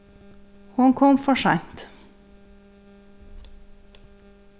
hon kom for seint